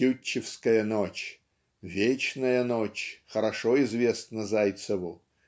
Тютчевская ночь, Вечная Ночь, хорошо известна Зайцеву